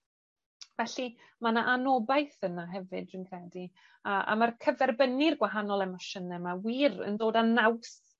Felly ma' 'na anobaith yna hefyd dwi'n credu, a a ma'r cyferbynnu'r gwahanol emosiyne 'ma wir yn dod â naws